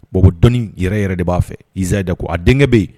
Bon dɔnnii yɛrɛ yɛrɛ de b'a fɛ iia da ko a denkɛ bɛ yen